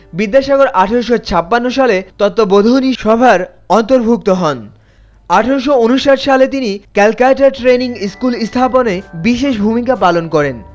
বিদ্যাসাগর ১৮৫৬ সালে তত্ত্ববোধিনী সভার অন্তর্ভুক্ত হন 1১৮৫৯ সালে তিনি ক্যালকাটা ট্রেনিং স্কুল স্থাপনের বিশেষ ভূমিকা পালন করেন